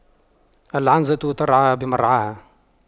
العنزة ترعى بمرعاها